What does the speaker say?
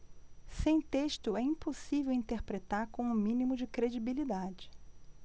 sem texto é impossível interpretar com o mínimo de credibilidade